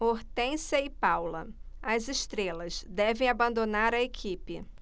hortência e paula as estrelas devem abandonar a equipe